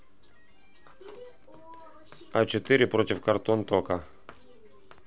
а четыре против картон тока